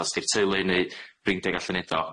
So os di'r teulu ne' ffrindia'n gallu neud o